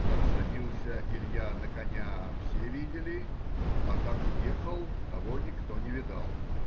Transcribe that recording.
Как садился Илья на коня, все видели, а как уехал, того никто не видал.